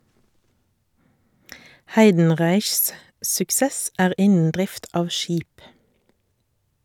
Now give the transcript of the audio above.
Heidenreichs suksess er innen drift av skip.